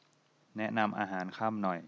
แนะนำอาหารค่ำหน่อย